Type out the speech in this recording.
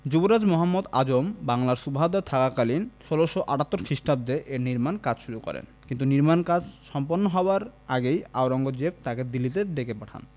যুবরাজ মুহম্মদ আজম বাংলার সুবাহদার থাকাকালীন ১৬৭৮ খ্রিস্টাব্দে এর নির্মাণ কাজ শুরু করেন কিন্তু নির্মাণ কাজ সম্পন্ন হওয়ার আগেই আওরঙ্গজেব তাঁকে দিল্লিতে ডেকে পাঠান